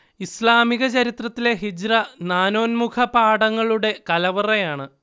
ഇസ്ലാമിക ചരിത്രത്തിലെ ഹിജ്റ നാനോന്മുഖ പാഠങ്ങളുടെ കലവറയാണ്